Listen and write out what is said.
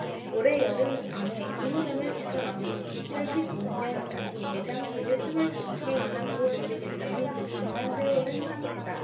올해 여름 안에 일 호점을 개설하고 이천 이십 오 년까지 매장 수를 스물 다섯 개 이상으로 늘리겠다는 목표만 세워둔 상태다